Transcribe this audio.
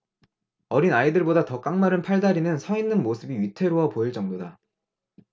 어린아이들보다 더 깡마른 팔다리는 서 있는 모습이 위태로워 보일 정도다